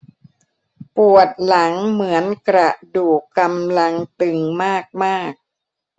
ปวดหลังเหมือนกระดูกกำลังตึงมากมาก